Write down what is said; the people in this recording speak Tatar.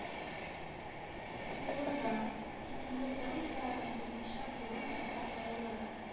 Юлында» исемле повестьларын берничә буын татар балалары